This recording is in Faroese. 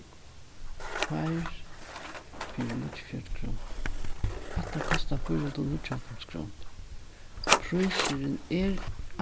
tveir fyri níggjuogfjøruti krónur hetta kostar fýra hundrað og níggjuoghálvfems krónur prísurin er